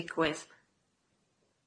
digwydd.